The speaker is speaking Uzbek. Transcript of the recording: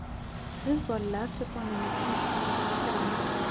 biz bolalar choponimizni yechmasdan o'tiramiz